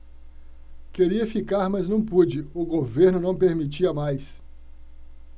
queria ficar mas não pude o governo não permitia mais